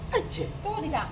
A cɛ cogo